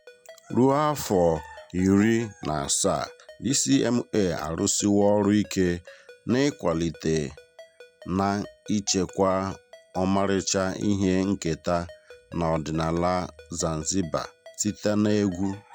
Ruo afọ 17, DCMA arụsiwo ọrụ ike n'ịkwalite na ichekwa ọmarịcha ihe nketa na ọdịnaala Zanzibar site na egwu.